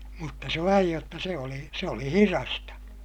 mutta se vain jotta se oli se oli hidasta